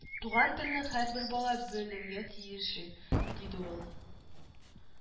Туган телне һәрбер бала белергә тиеши , диде ул